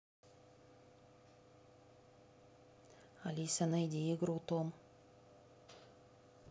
алиса найди игру том